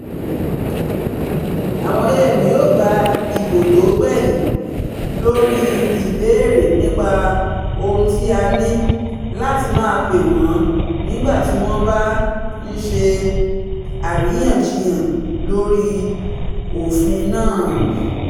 Àwọn AM yóò gba ìbò tó gbẹ̀yìn lóri ìbéèrè nípa ohun tí a ní láti máa pè wọn nígbà tí wọn bá ń ṣe àríyànjiyàn lórí òfin náà.